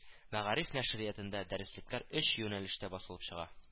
Мәгариф нәшриятында дәреслекләр өч юнәлештә басылып чыга